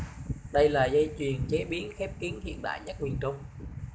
đây là dây chuyền chế biến khép kín hiện đại nhất miền trung